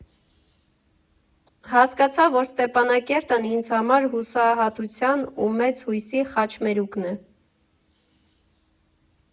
Հասկացա, որ Ստեփանակերտն ինձ համար հուսահատության ու մեծ հույսի խաչմերուկն է։